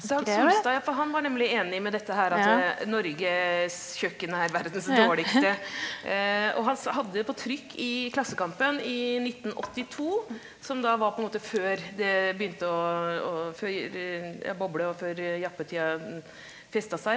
Dag Solstad ja, for han var nemlig enig med dette her at Norges kjøkken er verdens dårligste, og han hadde på trykk i Klassekampen i 1982 som da var på en måte før det begynte og og før ja boble og før jappetida festa seg.